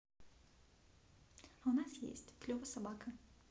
а у нас есть клево собака